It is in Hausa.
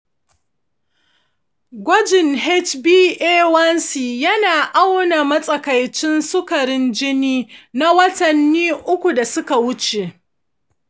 gwajin hba1c yana auna matsakaicin sukarin jini na watanni uku da suka wuce.